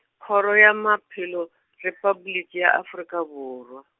Kgoro ya Maphelo, Repabliki ya Afrika Borwa.